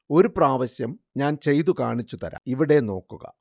ഒരു പ്രാവശ്യം ഞാന് ചെയ്തു കാണിച്ചു തരാം ഇവിടെ നോക്കുക